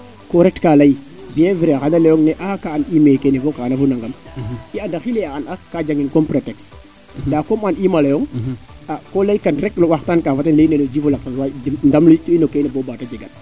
ke ret kaa ley bien vrai xana ley ange a kaa an iime kene fo kene nangam fo nangam i anda xile a an a kaa jangin comme pretexte nda comme an iima leyong a ko leykan kat ne waxtan ka fo ten Djiby ndamit ino yo keene bo baata jegat